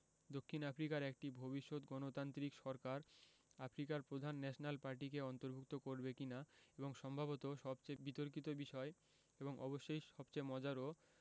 দক্ষিণ আফ্রিকার একটি ভবিষ্যৎ গণতান্ত্রিক সরকার আফ্রিকার প্রধান ন্যাশনাল পার্টিকে অন্তর্ভুক্ত করবে কি না এবং সম্ভবত সবচেয়ে বিতর্কিত বিষয় এবং অবশ্যই সবচেয়ে মজারও